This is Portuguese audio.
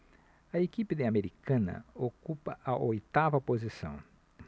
a equipe de americana ocupa a oitava posição